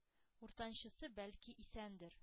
Уртанчысы, бәлки, исәндер,